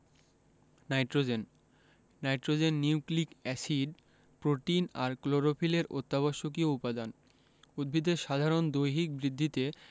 nitrogen nitrogen nucleic acid protein আর ক্লোরোফিলের অত্যাবশ্যকীয় উপাদান উদ্ভিদের সাধারণ দৈহিক বৃদ্ধিতে